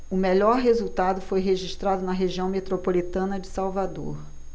o melhor resultado foi registrado na região metropolitana de salvador